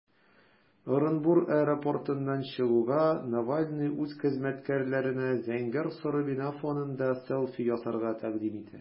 Оренбург аэропортыннан чыгуга, Навальный үз хезмәткәрләренә зәңгәр-соры бина фонында селфи ясарга тәкъдим итә.